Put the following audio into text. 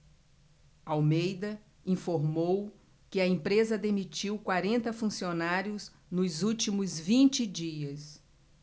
almeida informou que a empresa demitiu quarenta funcionários nos últimos vinte dias